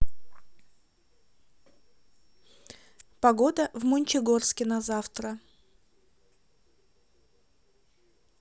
погода в мончегорске на завтра